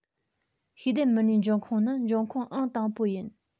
༄༅ ཤེས ལྡན མི སྣའི འབྱུང ཁུངས ནི འབྱུང ཁུངས ཨང དང པོ ཡིན